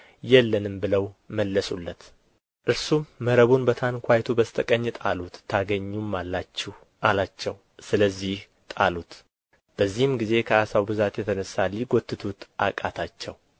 የለንም ብለው መለሱለት እርሱም መረቡን በታንኳይቱ በስተ ቀኝ ጣሉት ታገኙማላችሁ አላቸው ስለዚህ ጣሉት በዚህም ጊዜ ከዓሣው ብዛት የተነሣ ሊጐትቱት አቃታቸው